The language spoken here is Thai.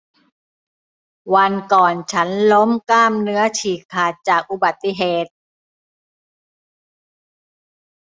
วันก่อนฉันล้มกล้ามเนื้อฉีกขาดจากอุบัติเหตุ